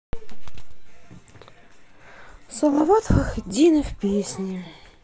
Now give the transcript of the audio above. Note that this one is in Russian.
салават фатхетдинов песни